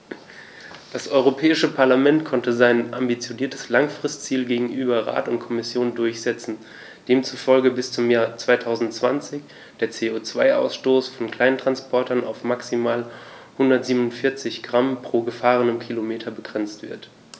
Das Europäische Parlament konnte sein ambitioniertes Langfristziel gegenüber Rat und Kommission durchsetzen, demzufolge bis zum Jahr 2020 der CO2-Ausstoß von Kleinsttransportern auf maximal 147 Gramm pro gefahrenem Kilometer begrenzt wird.